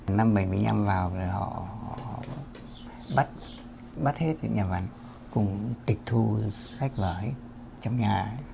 năm bảy mươi nhăm vào họ họ bắt băt hết những nhà văn cùng tịch thu sách vở hết trong nhà ấy